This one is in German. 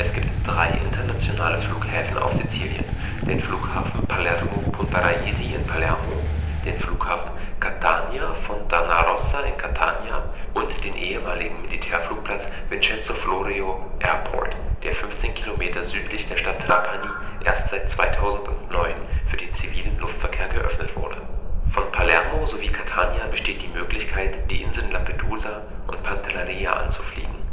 gibt drei internationale Flughäfen auf Sizilien, den Flughafen Palermo-Punta Raisi in Palermo, den Flughafen Catania-Fontanarossa in Catania und den ehemaligen Militärflugplatz Vincenzo Florio Airport, der 15 Kilometer südlich der Stadt Trapani erst seit 2009 für den zivilen Luftverkehr geöffnet wurde. Von Palermo sowie Catania besteht die Möglichkeit, die Inseln Lampedusa und Pantelleria anzufliegen